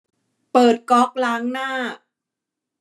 เปิดก๊อกล้างหน้า